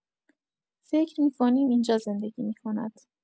فکر می‌کنیم، اینجا زندگی می‌کند.